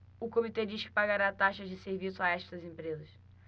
o comitê diz que pagará taxas de serviço a estas empresas